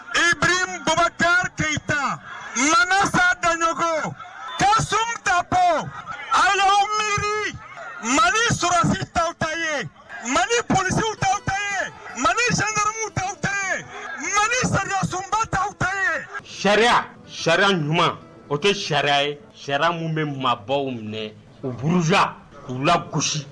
I bɛ npogo tɛ ta ma satajkɔ ka sunta ko ali mi mali ssi tɔw ta ye mali psi dɔw tɛ mali sakamu dɔw tɛ mali sa sunba taye sariya sariya ɲuman o kɛ sariya ye sariya minnu bɛ mabɔbaww minɛ u buruz ku la gosi